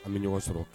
An bɛ ɲɔgɔn sɔrɔ